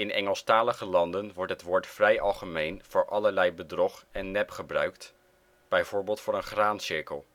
Engelstalige landen wordt het woord vrij algemeen voor allerlei bedrog en nep gebruikt, bijvoorbeeld voor een graancirkel